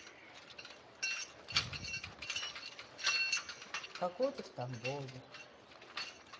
погода в тамбове